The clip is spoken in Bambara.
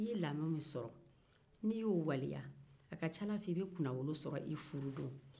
i ye lamɔ min sɔrɔ n'i y'o waleya a ka ca ala fɛ i bɛ kunnawolo sɔrɔ i furudon